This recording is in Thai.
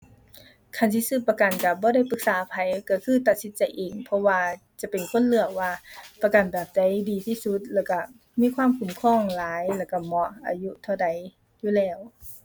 คันสิซื้อประกันก็บ่ได้ปรึกษาไผ ก็คือตัดสินใจเอง เพราะว่าจะเป็นคนเลือกว่า ประกันแบบใดดีที่สุด แล้วก็มีความคุ้มครองหลาย แล้วก็เหมาะอายุเท่าใด อยู่แล้ว